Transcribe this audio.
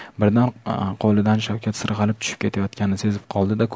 birdan qo'lidan shavkat sirg'alib tushib ketayotganini sezib qoldi da